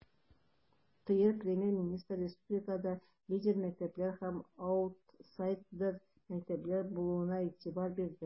ТР Премьер-министры республикада лидер мәктәпләр һәм аутсайдер мәктәпләр булуына игътибар бирде.